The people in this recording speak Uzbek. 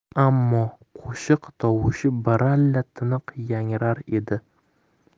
ammo qo'shiq tovushi baralla tiniq yangrar edi